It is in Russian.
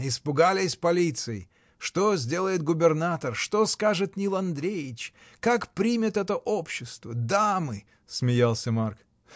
испугались полиции: что сделает губернатор, что скажет Нил Андреич, как примет это общество, дамы? — смеялся Марк.